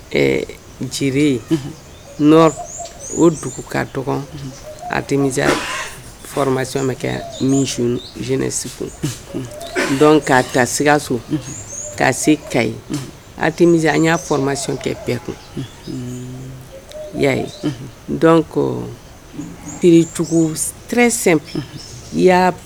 'a ta sikaso k'a se ka ye ami an y'a fma kɛ bɛɛ kun yaa ye dɔn ko pt